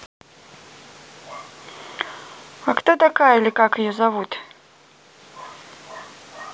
а кто такая или как ее зовут